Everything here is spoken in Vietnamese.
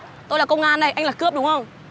tôi là công an đây anh là cướp đúng không